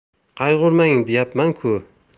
qayg'urmang deyapman ku